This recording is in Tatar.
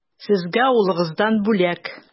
Сезгә улыгыздан бүләк.